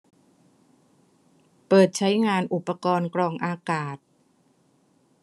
เปิดใช้งานอุปกรณ์กรองอากาศ